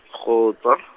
go tswa.